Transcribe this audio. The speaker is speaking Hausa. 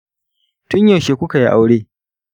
tun yaushe kuka yi aure?